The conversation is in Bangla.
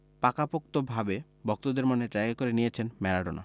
পাকাপোক্তভাবে ভক্তদের মনে জায়গা করে নিয়েছেন ম্যারাডোনা